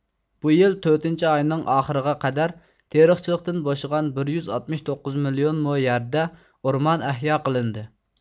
بۇ يىل تۆتىنچى ئاينىڭ ئاخىرىغا قەدەر تېرىقچىلىقتىن بوشىغان بىر يۈز ئاتمىش توققۇز مىليون مو يەردە ئورمان ئەھيا قىلىندى